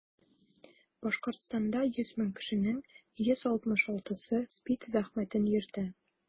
Башкортстанда 100 мең кешенең 166-сы СПИД зәхмәтен йөртә.